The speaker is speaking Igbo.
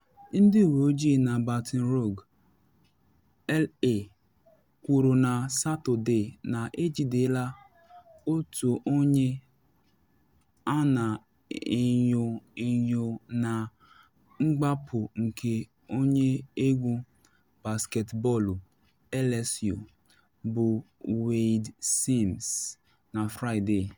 Ndị uwe ojii na Baton Rouge, La., kwuru na Satọde na ejidela otu onye a na enyo enyo na mgbagbu nke onye egwu basketbọọlụ LSU bụ Wayde Sims na Fraịde.